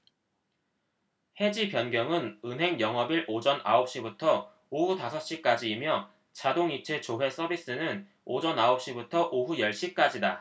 해지 변경은 은행 영업일 오전 아홉 시부터 오후 다섯 시까지이며 자동이체 조회 서비스는 오전 아홉 시부터 오후 열 시까지다